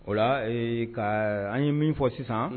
O ee ka an ye min fɔ sisan